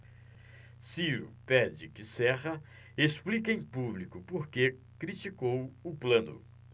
ciro pede que serra explique em público por que criticou plano